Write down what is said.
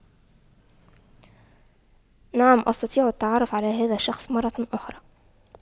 نعم أستطيع التعرف على هذا الشخص مرة أخرى